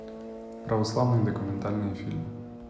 православные документальные фильмы